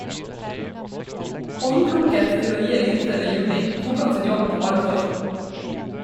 Håndplukket til å gi egypterne juling, tok han sin jobb på alvor.